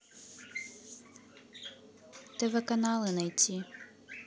тв каналы найти